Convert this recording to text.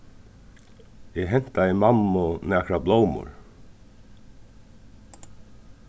eg heintaði mammu nakrar blómur